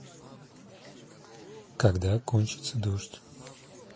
когда кончится дождь